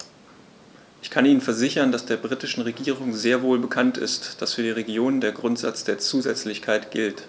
Ich kann Ihnen versichern, dass der britischen Regierung sehr wohl bekannt ist, dass für die Regionen der Grundsatz der Zusätzlichkeit gilt.